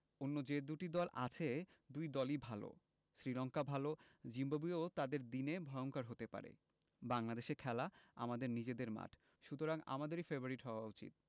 অন্য যে দুটি দল আছে দুই দলই ভালো শ্রীলঙ্কা ভালো জিম্বাবুয়েও তাদের দিনে ভয়ংকর হতে পারে বাংলাদেশে খেলা আমাদের নিজেদের মাঠ সুতরাং আমাদেরই ফেবারিট হওয়া উচিত